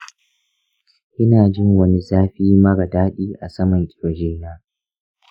ina jin wani zafi mara daɗi a saman ƙirji na.